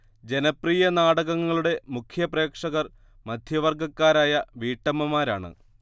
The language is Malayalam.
ജനപ്രിയ നാടകങ്ങളുടെ മുഖ്യ പ്രേക്ഷകർ മധ്യവർഗക്കാരായ വീട്ടമ്മമാരാണ്